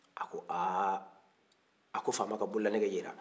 a ko haa a ko faama ka bololanɛgɛ yera